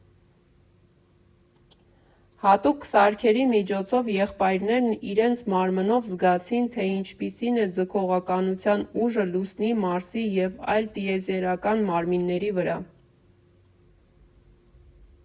Հատուկ սարքերի միջոցով եղբայրներն իրենց մարմնով զգացին, թե ինչպիսին է ձգողականության ուժը Լուսնի, Մարսի և այլ տիեզերական մարմինների վրա։